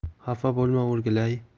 xafa bo'lma o'rgilay